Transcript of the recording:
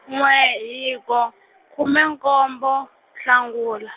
n'we hiko, khume nkombo, Nhlangula.